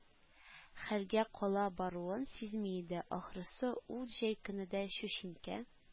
Хәлгә кала баруын сизми иде, ахрысы, ул җәй көне дә чүчинкә